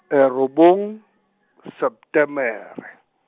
robong, Setemere.